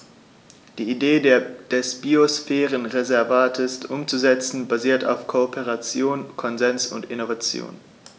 Die Idee des Biosphärenreservates umzusetzen, basiert auf Kooperation, Konsens und Innovation.